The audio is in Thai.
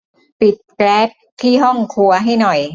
ปิดแก๊สที่ห้องครัวให้หน่อย